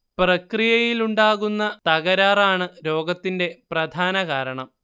പ്രക്രിയയിലുണ്ടാകുന്ന തകരാണ് രോഗത്തിന്റെ പ്രധാനകാരണം